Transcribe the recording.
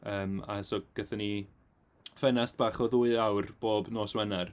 Yym a so gaethon ni ffenest bach o ddwy awr bob nos Wener.